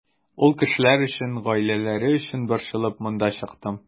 Ул кешеләр өчен, гаиләләре өчен борчылып монда чыктым.